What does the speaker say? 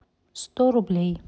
сто рублей